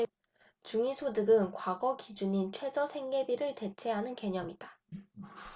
중위소득은 과거 기준인 최저생계비를 대체하는 개념이다